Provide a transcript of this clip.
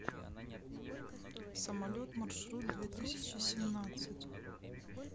самолет маршрут две тысячи семнадцать